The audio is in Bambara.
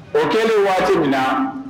O kɛlen waati min na